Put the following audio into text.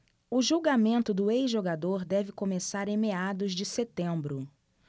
o julgamento do ex-jogador deve começar em meados de setembro